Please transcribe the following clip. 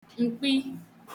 m̀kpi